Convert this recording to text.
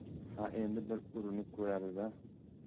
ha endi bir urinib ko'radi da